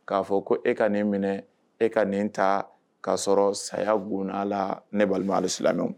K'a fɔ ko e ka nin n minɛ e ka nin ta k'a sɔrɔ saya bon a la ne balima hali siran